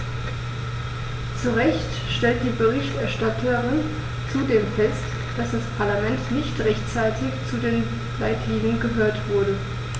Zu Recht stellt die Berichterstatterin zudem fest, dass das Parlament nicht rechtzeitig zu den Leitlinien gehört wurde.